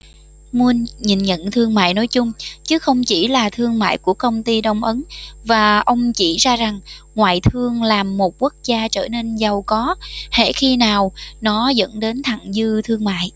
mun nhìn nhận thương mại nói chung chứ không chỉ là thương mại của công ty đông ấn và ông chỉ ra rằng ngoại thương làm một quốc gia trở nên giàu có hễ khi nào nó dẫn đến thặng dư thương mại